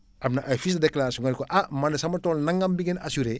am na ay fiches déclaration nga ne ko ah man sama tool nangam bi ngeen assurer